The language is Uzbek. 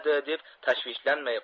deb tashvishlanmay